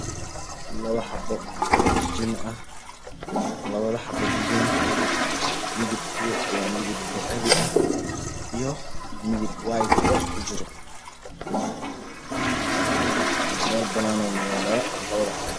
Labo xabo oo jijin ah kalarkode waa dahbi io weed yar kujiro mel banan oo yala labad xabo